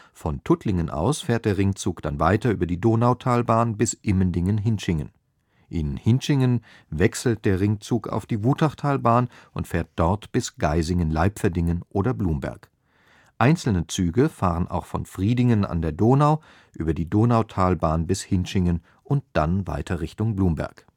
Von Tuttlingen aus fährt der Ringzug dann weiter über die Donautalbahn bis Immendingen-Hintschingen. In Hintschingen wechselt der Ringzug auf die Wutachtalbahn und fährt dort bis Geisingen-Leipferdingen oder Blumberg. Einzelne Züge fahren auch von Fridingen an der Donau über die Donautalbahn bis Hintschingen und dann weiter Richtung Blumberg